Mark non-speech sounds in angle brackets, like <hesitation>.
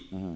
<hesitation> <hesitation>